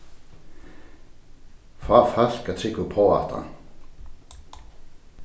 fá fólk trúgva upp á hatta